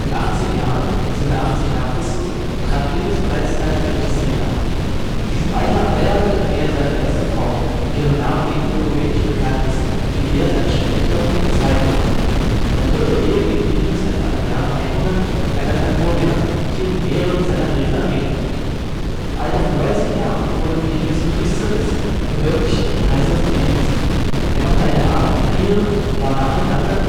18 Jahren (ca. 80 n. Chr.) trat Plinius bereits als Gerichtsredner auf. In diesem Alter heiratete er seine erste Frau, deren Name ebensowenig bekannt ist wie der seiner späteren zweiten Frau. Seine dritte Ehe ging Plinius etwa im Jahre 100 mit einer Calpurnia ein, die in mehreren seiner Briefe erwähnt wird. Im Alter von 19 Jahren wurde Plinius Priester des vergöttlichten Kaisers Titus. Er machte eine Beamtenkarriere und war nacheinander